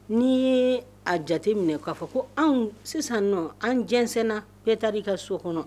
N'i yee a jate minɛ k'a fɔ ko anw sisan nɔ an jɛnsɛnna bɛɛ taar'i ka so kɔnɔ